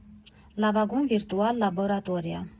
Լավագույն վիրտուալ լաբորատորիա։